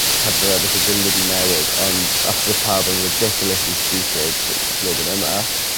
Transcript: hebddo fe bysa dim byd yn newid ond achos odd pawb yn ridiculously stupid ll- flwyddyn yma